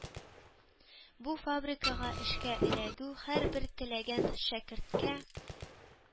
Бу фабрикага эшкә эләгү һәрбер теләгән шәкерткә